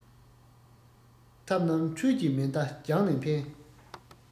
ཐབས རྣམས འཕྲུལ གྱི མེ མདའ རྒྱང ནས འཕེན